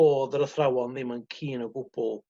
dodd yr athrawon ddim yn keen o gwbwl